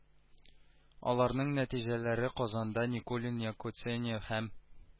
Аларның нәтиҗәләре казанда никулин якуценя һәм